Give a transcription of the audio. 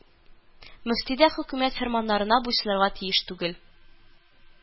Мөфти дә хөкүмәт фәрманнарына буйсынырга тиеш түгел